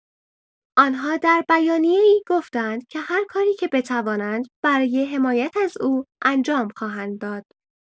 آن‌ها در بیانیه‌ای گفته‌اند که هرکاری که بتوانند برای حمایت از او انجام خواهند داد.